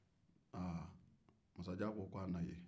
masajan ko k'a na ye sabu ne ye n ta in ye kaban